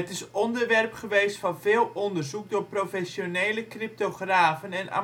is onderwerp geweest van veel onderzoek door professionele cryptografen en